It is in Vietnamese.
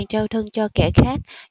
trao thân cho kẻ khác